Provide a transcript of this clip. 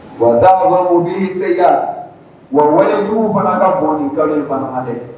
Wa damu bi seya wa walijuguw fana ka bonɔni kalo fana dɛ